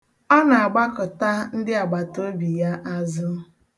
Ọ na-agbakụta ndị agbataobi ya azụ.